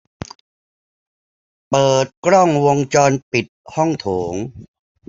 เปิดกล้องวงจรปิดห้องโถง